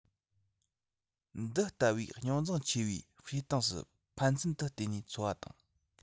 འདི ལྟ བུའི རྙོག འཛིང ཆེ བའི བྱེད སྟངས སུ ཕན ཚུན དུ བརྟེན ནས འཚོ བ དང